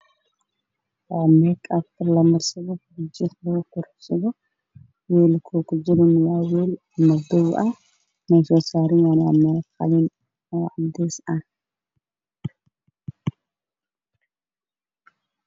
Waa catar midabkiisu yahay madow waxa uu ku jiraa kartoon waana kartaamo badan oo meel saaran